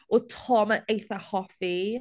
Oedd Tom yn eitha hoffi.